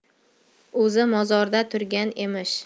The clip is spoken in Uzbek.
o'zi mozorda turgan emish